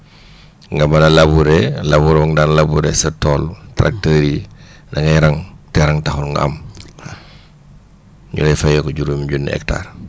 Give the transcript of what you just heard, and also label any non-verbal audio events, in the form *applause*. *breath* nga mën a labourer labour ba nga daan labourer sa tool tracteurs yi *breath* da ngay rang te rang taxul nga am *breath* ñu lay fayeeku juróomi junne hectares